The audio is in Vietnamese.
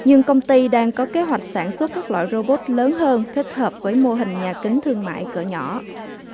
nhưng công ty đang có kế hoạch sản xuất các loại rô bốt lớn hơn thích hợp với mô hình nhà kính thương mại cỡ nhỏ